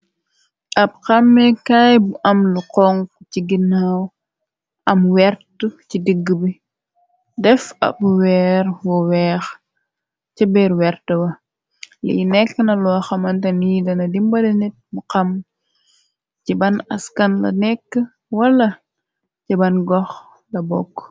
ab xame kaay bu am lu xong ci ginaaw am wert ci digg bi def ab weer eex ce beer wert wa li nekk na loo xamantani dana dimbale nit mu xam ci ban askan la nekk wala ca ban gox la bokk.